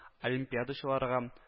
Олимпиадачыларга